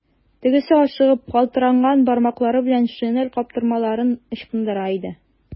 Тегесе ашыгып, калтыранган бармаклары белән шинель каптырмаларын ычкындыра иде.